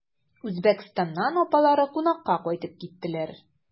Үзбәкстаннан апалары кунакка кайтып киттеләр.